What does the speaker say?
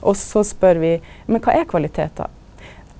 og så spør vi, men kva er kvalitet då?